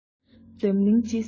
འཛམ གླིང སྤྱི བསང